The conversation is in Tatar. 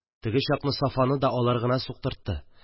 Теге чакны Сафаны да алар гына суктыртты